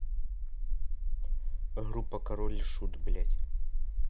группа король и шут блять